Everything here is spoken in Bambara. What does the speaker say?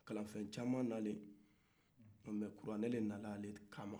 kalanfɛn caa nana kuranɛ nana ale de kanma